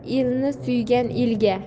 do'st elni suygan elga